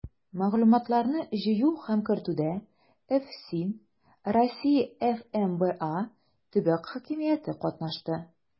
Мәгълүматларны җыю һәм кертүдә ФСИН, Россия ФМБА, төбәк хакимияте катнашты.